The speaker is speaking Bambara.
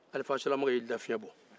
alifa silamakan y'i da fiɲɛ bɔ